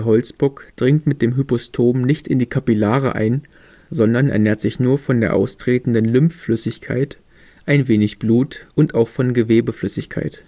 Holzbock dringt mit dem Hypostom nicht in die Kapillare ein, sondern ernährt sich nur von der austretenden Lymphflüssigkeit, ein wenig Blut und auch von Gewebeflüssigkeit.